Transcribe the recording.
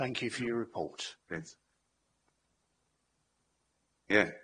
And thank you for your report. Ie.